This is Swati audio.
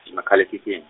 kumakhalekhikhin-.